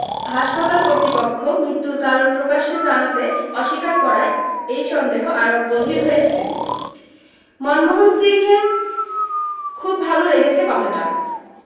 হাসপাতাল কর্তৃপক্ষ মৃত্যুর কারণ প্রকাশ্যে জানাতে অস্বীকার করায় এই সন্দেহ আরও গভীর হয়েছে মনমোহন সিংহের খুব ভাল লেগেছে কথাটা